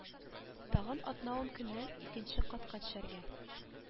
Тагын атна-ун көннән икенче катка төшәргә